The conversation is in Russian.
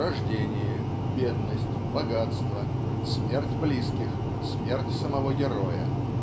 Рождение, бедность, богатство, смерть близких, смерть самого героя